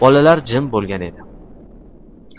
bolalar jim bo'lgan edi